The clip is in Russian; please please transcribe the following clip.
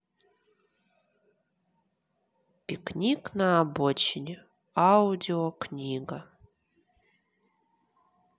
пикник на обочине аудиокнига